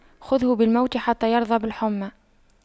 خُذْهُ بالموت حتى يرضى بالحُمَّى